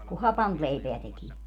kun hapanta leipää tekivät